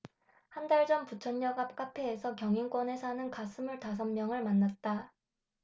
한 달 전 부천역 앞 카페에서 경인권에 사는 갓 스물 다섯 명을 만났다